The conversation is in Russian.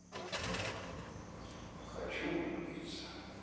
хочу влюбиться